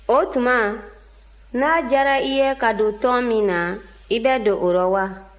o tuma n'a diyara i ye ka don tɔn min na i bɛ don o rɔ wa